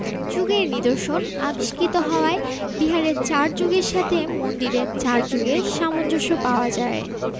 যুগের নিদর্শন আবিষ্কৃত হওয়ায় বিহারের ৪ যুগের সাথে মন্দিরের ৪ যুগের সামঞ্জস্য পাওয়া যায়